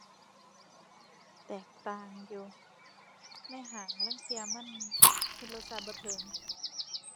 แตกต่างอยู่ ในห้างลางเทื่อมันเฮ็ดรสชาติบ่ถึง